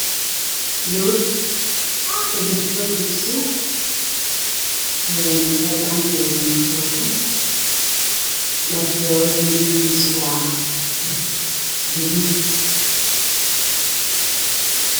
Waa gabar makaroofan haysto